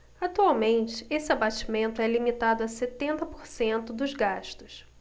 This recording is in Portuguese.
atualmente esse abatimento é limitado a setenta por cento dos gastos